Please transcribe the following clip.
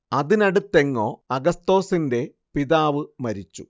അതിനടുത്തെങ്ങോ അഗസ്തോസിന്റെ പിതാവ് മരിച്ചു